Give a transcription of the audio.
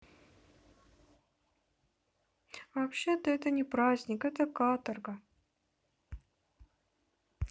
вообще то это не праздник это каторга